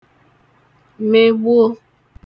megbuo